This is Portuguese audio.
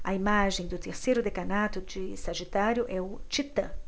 a imagem do terceiro decanato de sagitário é o titã